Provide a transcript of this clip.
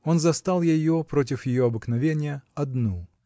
Он застал ее, против ее обыкновения, одну